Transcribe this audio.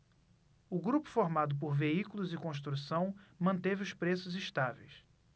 o grupo formado por veículos e construção manteve os preços estáveis